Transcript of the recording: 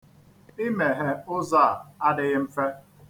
Imehe ụzọ a adịghị mfe.